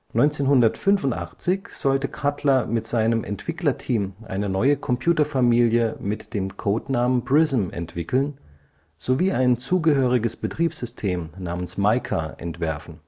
1985 sollte Cutler mit seinem Entwicklerteam eine neue Computerfamilie mit dem Codenamen Prism entwickeln sowie ein zugehöriges Betriebssystem namens Mica entwerfen